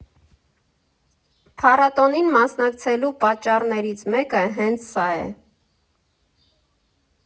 Փառատոնին մասնակցելու պատճառներից մեկը հենց սա է։